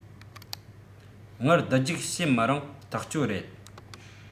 དངུལ བསྡུ རྒྱུག བྱེད མི རུང ཐག ཆོད རེད